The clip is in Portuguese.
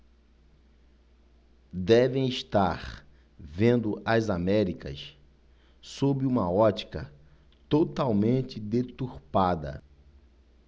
devem estar vendo as américas sob uma ótica totalmente deturpada